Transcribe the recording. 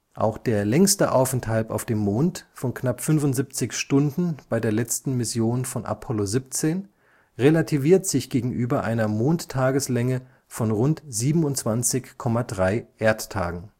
Auch der längste Aufenthalt auf dem Mond von knapp 75 Stunden bei der letzten Mission (Apollo 17) relativiert sich gegenüber einer Mondtageslänge von rund 27,3 Erdtagen